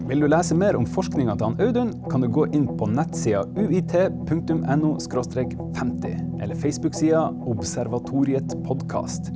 vil du lese mer om forskninga til han Audun kan du gå inn på nettsida UiT punktum N O skråstrek 50 eller facebooksida observatoriet podkast.